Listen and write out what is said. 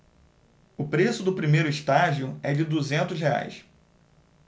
o preço do primeiro estágio é de duzentos reais